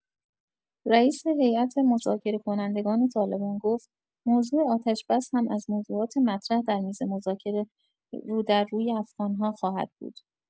رئیس هیئت مذاکره‌کننده طالبان گفت موضوع آتش‌بس هم از موضوعات مطرح در میز مذاکره رو در روی افغان‌ها خواهد بود.